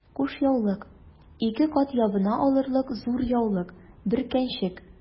Кушъяулык— ике кат ябына алырлык зур яулык, бөркәнчек...